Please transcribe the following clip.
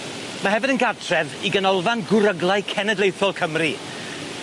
Ma' hefyd yn gartref i ganolfan gwryglau cenedlaethol Cymru.